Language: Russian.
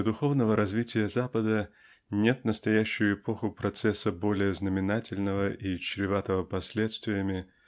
Для духовного развития Запада нет в настоящую эпоху процесса более знаменательного и чреватого последствиями